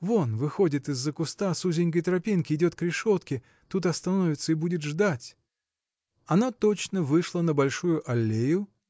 вон выходит из-за куста с узенькой тропинки идет к решетке тут остановится и будет ждать. Она точно вышла на большую аллею.